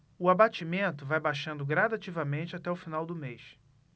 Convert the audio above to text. o abatimento vai baixando gradativamente até o final do mês